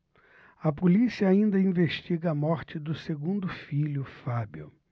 a polícia ainda investiga a morte do segundo filho fábio